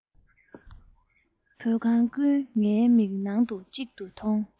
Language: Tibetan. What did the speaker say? བོད ཁང ཀུན ངའི མིག ནང དུ གཅིག ཏུ མཐོང